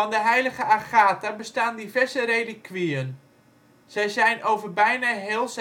de heilige Agatha bestaan diverse relikwieën. Zij zijn over bijna heel